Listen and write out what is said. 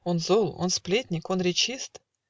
Он зол, он сплетник, он речист.